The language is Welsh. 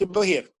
Cyn bo' hir.